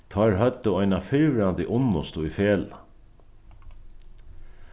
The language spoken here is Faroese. teir høvdu eina fyrrverandi unnustu í felag